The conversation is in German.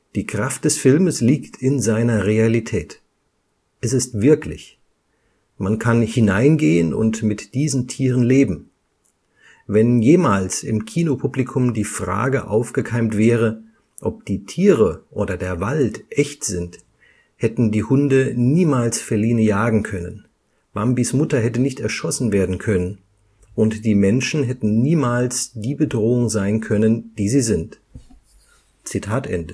Die Kraft des Filmes liegt in seiner Realität. Es ist wirklich! Man kann hineingehen und mit diesen Tieren leben. Wenn jemals im Kinopublikum die Frage aufgekeimt wäre, ob die Tiere oder der Wald echt sind, hätten die Hunde niemals Feline jagen können, Bambis Mutter hätte nicht erschossen werden können und die Menschen hätten niemals die Bedrohung sein können, die sie sind. “– John Culhane Die